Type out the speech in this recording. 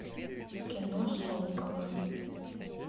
кино соколы